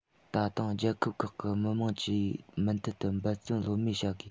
ད དུང རྒྱལ ཁབ ཁག གི མི དམངས ཀྱིས མུ མཐུད དུ འབད བརྩོན ལྷོད མེད བྱ དགོས